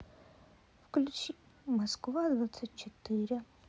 включи москва двадцать четыре